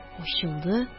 Ачылды